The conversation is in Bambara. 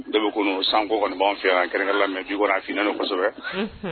Dɔw bɛ san kɔni'an fɛ an kɛrɛnla minɛ ji kɔnɔ a finɛ kosɛbɛ